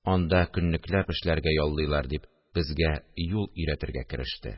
Анда көнлекләп эшләргә яллыйлар, – дип, безгә юл өйрәтергә кереште